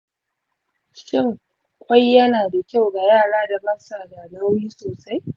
shin ƙwai yana da kyau ga yara da ba sa da nauyi sosai?